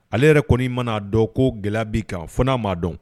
Ale yɛrɛ kɔni' mana'a dɔn ko gɛlɛya' kan f'a m' dɔn